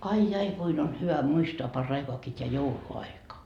ai ai kuinka on hyvä muistaa paraikaakin tämä jouluaika